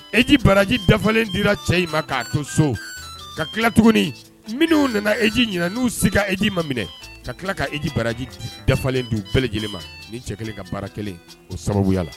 Eji baraji dafa dira cɛ in ma k'a to so ka tila tuguni minnu nana eji ɲin n'u se ka eji ma minɛ ka tila ka eji baraji dafalen don bɛɛ lajɛlen ma ni cɛ kelen ka baara kelen o sababu yala la